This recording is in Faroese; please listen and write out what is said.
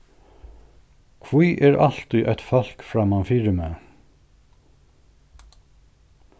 hví er altíð eitt fólk framman fyri meg